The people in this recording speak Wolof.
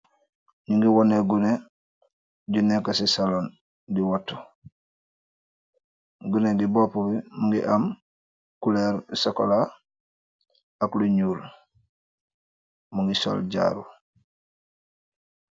Nyu ngi wone gune ju nekka ci salon di watu, gune gi bopp bi mu ngi am kuleeru sakola ak lu ñuul mu ngi sol jaaru